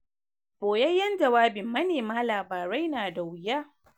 Boyayyen jawabin manema labarai na da wuya.